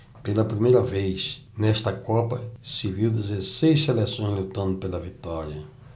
pela primeira vez nesta copa se viu dezesseis seleções lutando pela vitória